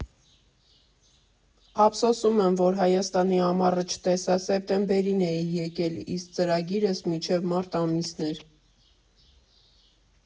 Ափսոսում եմ, որ Հայաստանի ամառը չտեսա՝ սեպտեմբերին էի եկել, իսկ ծրագիրս մինչև մարտ ամիսն էր։